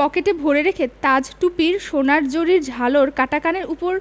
পকেটে রেখে তাজ টুপির সোনার জরির ঝালর কাটা কানের উপর